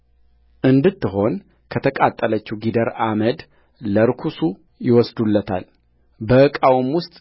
እንድትሆን ከተቃጠለችው ጊደር አመድ ለርኩሱ ይወስዱለታል በዕቃውም ውስጥ